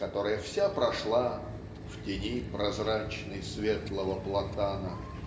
которая вся прошла "в тени прозрачной светлого платана"